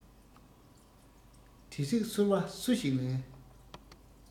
དེ བསྲེགས སོལ བ སུ ཞིག ལེན